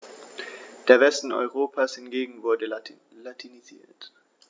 Der Westen Europas hingegen wurde latinisiert.